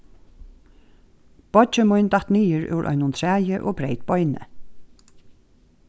beiggi mín datt niður úr einum træi og breyt beinið